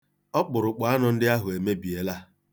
Ọkpụrụkpụ anụ ndị ahụ emebiela.